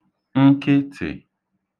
nkịtị̀